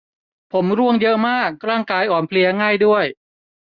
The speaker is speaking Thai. ผมร่วงเยอะมากร่างกายอ่อนเพลียง่ายด้วย